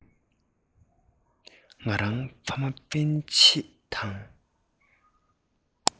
ང རང ཕ མ སྤུན ཆེད དང